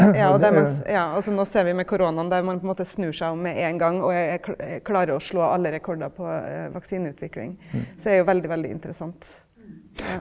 ja og det man ja altså nå ser vi med koronaen, der man på en måte snur seg om med en gang og er klarer å slå alle rekorder på vaksineutvikling, så er jo veldig veldig interessant ja.